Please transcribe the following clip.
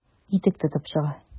Итек тотып чыга.